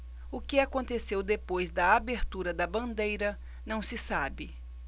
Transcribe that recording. o que aconteceu depois da abertura da bandeira não se sabe